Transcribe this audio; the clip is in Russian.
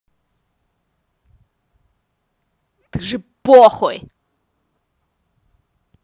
ты же похуй